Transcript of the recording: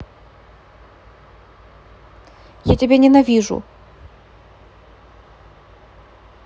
а я тебя ненавижу